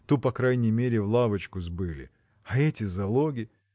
ту, по крайней мере, в лавочку сбыли, а эти залоги.